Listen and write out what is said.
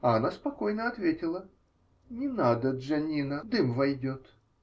А она спокойно ответила: -- Не надо, Джаннино, дым войдет.